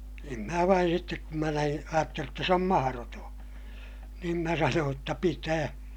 en minä vain sitten kun minä näin ajattelin jotta se on mahdoton niin minä sanoin jotta pitää